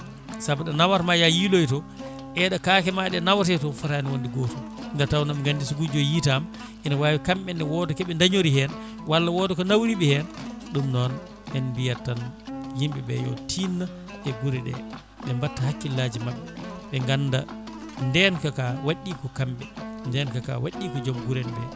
ssabu ɗo nawatma ya yiiloyo to e ɗo kaakemaɗe naawete to footani wonde gotum nde tawno ɓe gandi so gujjo o yitama ene wawi kamɓene wooda kooɓe dañori hen walla wooda ko naworiɓe hen ɗum noon en mbiyat tan yimɓeɓe yo tinno e guure ɗe ɓe mbatta hakkillaji mabɓe ɓe ganda ndenka ka waɗɗi ko kamɓe ndenka ka waɗɗi ko joom guure en ɓe